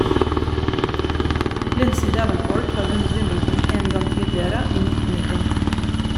Lindsay Davenport har vunnet Wimbledon en gang tidligere - i 1999.|